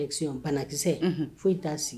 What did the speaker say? Pankisɛsɛ foyi t'a sigi